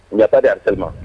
Ɲata di araelima